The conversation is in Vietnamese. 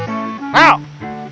nào